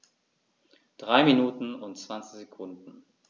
3 Minuten und 20 Sekunden